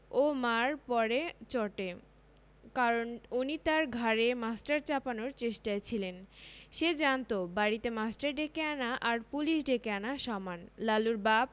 ও মা'র 'পরে চটে কারণ উনি তার ঘাড়ে মাস্টার চাপানোর চেষ্টায় ছিলেন সে জানত বাড়িতে মাস্টার ডেকে আনা আর পুলিশ ডেকে আনা সমান লালুর বাপ